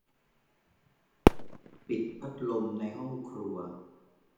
ปิดพัดลมในห้องครัว